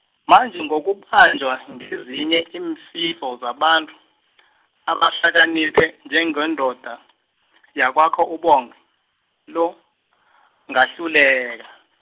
manje ngokubanjwa ngezinye iimfiso zabantu, abahlakanipha njengendoda, yakwakho uBongwe, lo , ngahluleka.